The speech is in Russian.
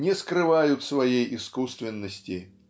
не скрывают своей искусственности.